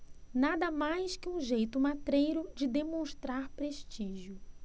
nada mais que um jeito matreiro de demonstrar prestígio